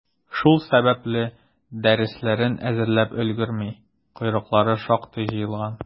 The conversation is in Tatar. Шул сәбәпле, дәресләрен әзерләп өлгерми, «койрыклары» шактый җыелган.